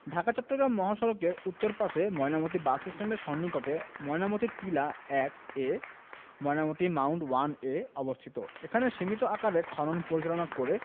ঢাকা চট্টগ্রাম মহাসড়কের উত্তর পাশে ময়নামতী বাসস্ট্যান্ডের সন্নিকটে ময়নামতী টিলা ১ এ ময়নামতি মাওন্ড ওয়ান এ অবস্থিত এখানে সীমিত আকারে খনন পরিচালনা করে